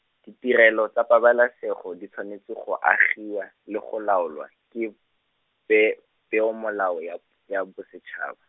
ditirelo tsa pabalesego di tshwanetse go agiwa, le go laolwa, ke pe-, peomolao ya, ya bosetšhaba.